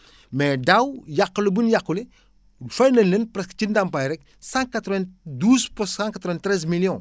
mais daaw yàqule bu ñu yàqule fay nañ leen presque ci ndàmpaay rek cent quatre vingt douze pour cent quatre vingt treize millions